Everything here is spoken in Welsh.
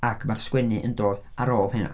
Ac mae'r sgwennu yn dod ar ôl hynna.